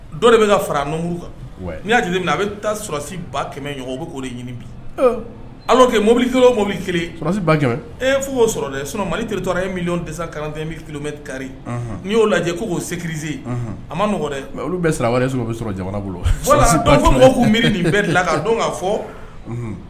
Dɔ de bɛ ka farakuru kan n' yaa lajɛlen min a bɛ taa sɔsi ba kɛmɛ ɲ bɛ k'o de ɲini bi kɛ mobili kelensi ba fo'o dɛ so mali terire ye mi tɛsa kante bɛ kilomɛ kariri n'i y'o lajɛ k ko k'o se kirize a ma nɔgɔ mɛ olu bɛ sara sɔrɔ bɛ sɔrɔ jamana bolo dɔn fɔ mɔgɔw' miiri bɛɛ la kan don ka fɔ